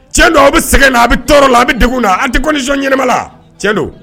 Cɛn don a bɛ sɛgɛn na a bɛ tɔɔrɔ la a bɛ na an tɛ kosɔn ɲmala cɛ don